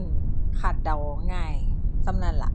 ญหาเดะ